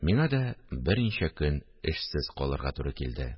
Миңа да берничә көн эшсез калырга туры килде